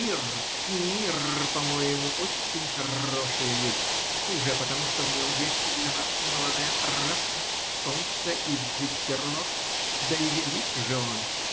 Мир – мир, по-моему, очень хорошая вещь уже потому, что в нем есть для нас молодая травка, солнце и ветерок. Да и велик же он!